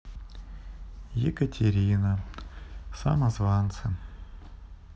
екатерина самозванцы